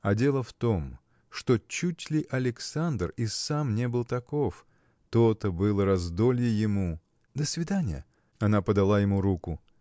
А дело в том, что чуть ли Александр и сам не был таков. То-то было раздолье ему! – До свиданья. Она подала ему руку.